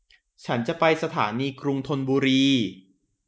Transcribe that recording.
ฉันจะไปสถานีกรุงธนบุรี